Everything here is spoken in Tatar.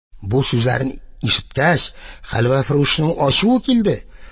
Бу сүзләрен ишеткәч, хәлвәфрүшнең ачуы килде.